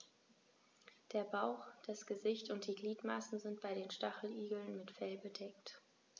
Der Bauch, das Gesicht und die Gliedmaßen sind bei den Stacheligeln mit Fell bedeckt.